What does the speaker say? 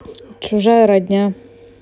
чужая родня